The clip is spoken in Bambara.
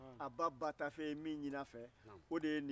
a ba ba tafe ye min ɲini a fɛ o de ye nin